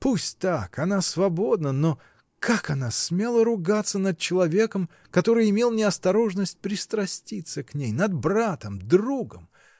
Пусть так — она свободна, но как она смела ругаться над человеком, который имел неосторожность пристраститься к ней, над братом, другом!.